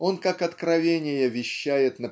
Он как откровения вещает.